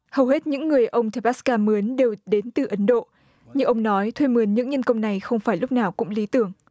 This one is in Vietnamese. hầu hết những người ông ta pát ca mướn đều đến từ ấn độ như ông nói thuê mứn những nhân công này không phải lúc nào cũng lý tưởng